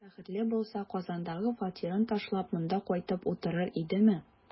Бәхетле булса, Казандагы фатирын ташлап, монда кайтып утырыр идеме?